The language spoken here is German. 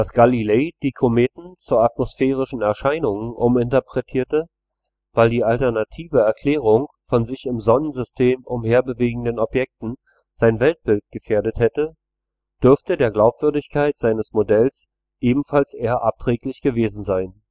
Galilei die Kometen zu atmosphärischen Erscheinungen uminterpretierte, weil die alternative Erklärung von sich im Sonnensystem umherbewegenden Objekten sein Weltbild gefährdet hätte, dürfte der Glaubwürdigkeit seines Modells ebenfalls eher abträglich gewesen sein